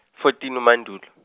fourteen uMandulo.